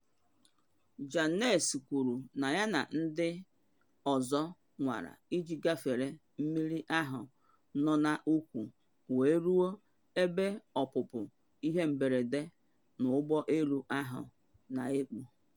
Jaynes kwuru na ya na ndị ọzọ nwara iji gafere mmiri ahụ nọ n’ukwu wee ruo ebe ọpụpụ ihe mberede n’ụgbọ elu ahụ na ekpu.